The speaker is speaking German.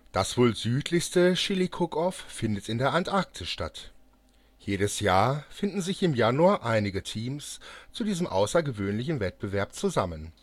Das wohl südlichste Chili Cook Off findet in der Antarktis statt. Jedes Jahr finden sich im Januar einige Teams zu diesem außergewöhnlichen Wettbewerb zusammen